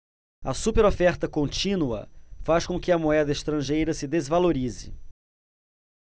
a superoferta contínua faz com que a moeda estrangeira se desvalorize